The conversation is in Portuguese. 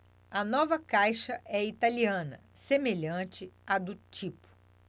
a nova caixa é italiana semelhante à do tipo